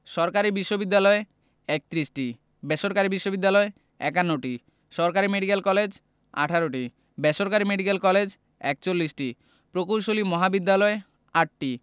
সরকারি বিশ্ববিদ্যালয় ৩১টি বেসরকারি বিশ্ববিদ্যালয় ৫১টি সরকারি মেডিকেল কলেজ ১৮টি বেসরকারি মেডিকেল কলেজ ৪১টি প্রকৌশল মহাবিদ্যালয় ৮টি